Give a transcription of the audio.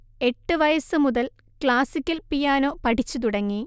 എട്ട് വയസ് മുതൽ ക്ലാസിക്കൽ പിയാനോ പഠിച്ച് തുടങ്ങി